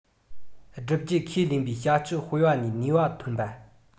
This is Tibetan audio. བསྒྲུབ རྒྱུ ཁས ལེན བྱེད པའི བྱ སྤྱོད སྤེལ བ ནས ནུས པ འཐོན རྒྱུ